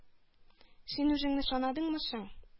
— син үзеңне санадыңмы соң?